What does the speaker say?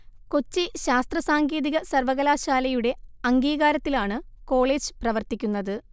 കൊച്ചി ശാസ്ത്ര സാങ്കേതിക സർവ്വകലാശാലയുടെ അംഗീകാരത്തിലാണു് കോളേജു് പ്രവർത്തിക്കുന്നതു്